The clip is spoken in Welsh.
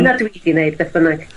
Dyna dwi 'di neud beth bynnag.